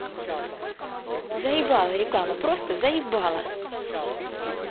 заебала реклама просто заебала